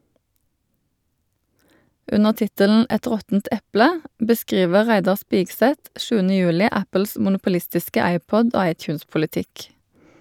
Under tittelen "Et råttent eple" beskriver Reidar Spigseth 7. juli Apples monopolistiske iPod- og iTunes-politikk.